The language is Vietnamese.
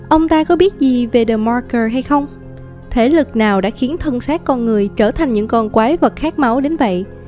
ông ta có biết gì về the marker hay không thế lực nào đã khiến thân xác con người trở thành những con quái vật khát máu đến vậy